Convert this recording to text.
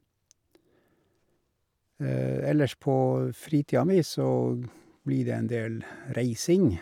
Ellers på fritida mi så blir det en del reising.